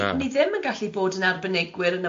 na ni ddim yn gallu bod yn arbenigwyr yn y maes